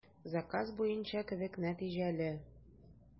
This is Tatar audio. Заказ буенча кебек, нәтиҗәле.